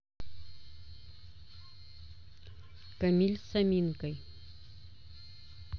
камиль с аминкой